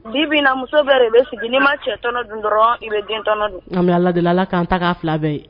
Bi bɛnana muso bɛɛ yen sigi ni ma cɛ tɔnɔnɔ dun dɔrɔn i bɛ den nkabi labilala kaan ta fila bɛɛ yen